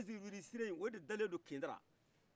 o ziviririsire in o de dale do kindra